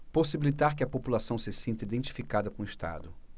possibilitar que a população se sinta identificada com o estado